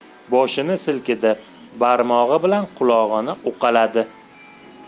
boshini silkidi barmog'i bilan qulog'ini uqaladi